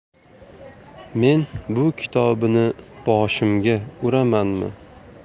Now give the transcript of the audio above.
men bu kitobini boshimga uramanmi